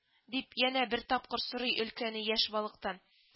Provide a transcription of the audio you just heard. - дип янә бер тапкыр сорый өлкәне яшь балыктан